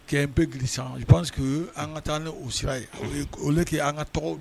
Kɛ g que an ka taa ni u sira ye oluki an ka tɔgɔ